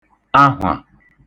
ahwà